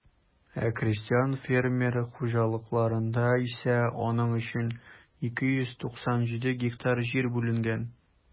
Ә крестьян-фермер хуҗалыкларында исә аның өчен 297 гектар җир бүленгән.